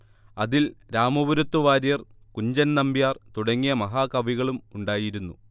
അതിൽ രാമപുരത്തു വാര്യർ കുഞ്ചൻ നമ്പ്യാർ തുടങ്ങിയ മഹാകവികളും ഉണ്ടായിരുന്നു